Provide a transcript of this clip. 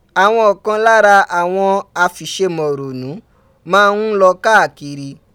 Àwọn kan lára àwọn afìṣemọ̀rònú máa ń lọ káàkiri.